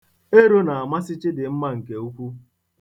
Ero na-amasị Chidimma nke ukwu.